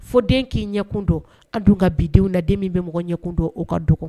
Fɔ den k'i ɲɛkun don an dun ka bidenw na den min bɛ mɔgɔ ɲɛkun don o ka dogo